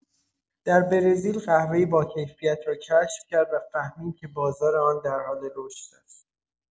در برزیل، قهوۀ باکیفیت را کشف کرد و فهمید که بازار آن در حال رشد است.